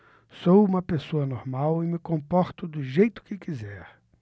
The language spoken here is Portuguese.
sou homossexual e me comporto do jeito que quiser